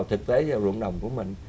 thực tế vào ruộng đồng của mình